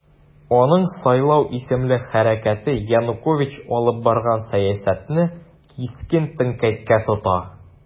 Аның "Сайлау" исемле хәрәкәте Янукович алып барган сәясәтне кискен тәнкыйтькә тота.